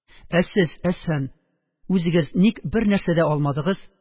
– ә сез, әсфан, үзегез ник бернәрсә дә алмадыгыз?